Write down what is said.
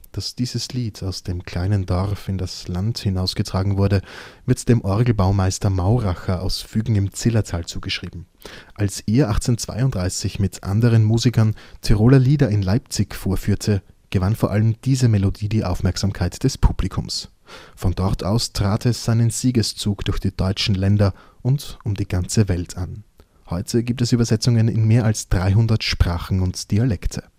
Dass dieses Lied aus dem kleinen Dorf in das Land hinausgetragen wurde, wird dem Orgelbaumeister Mauracher aus Fügen im Zillertal zugeschrieben. Als er 1832 mit anderen Musikern Tiroler Lieder in Leipzig vorführte, gewann vor allem diese Melodie die Aufmerksamkeit des Publikums. Von dort aus trat es seinen Siegeszug durch die deutschen Länder und um die ganze Welt an. Heute gibt es Übersetzungen in mehr als 300 Sprachen und Dialekte